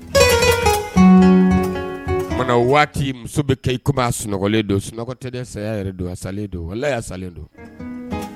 Kumana o waati muso bɛ kɛ i comme a sunɔgɔlen don sunɔgɔ tɛ dɛ saya yɛrɛ don a salen do walahi a salen do